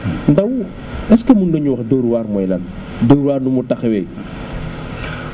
Ndao est ce que mën nga ñoo wax Dóor waar mooy lan Dóor waar nu mu taxawee